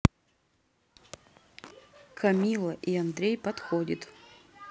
camila и андрей подходит